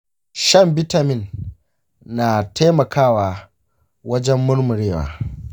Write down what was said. shan bitamin na taimakawa wajen murmurewa.